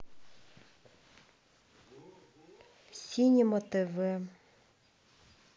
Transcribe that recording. синема тв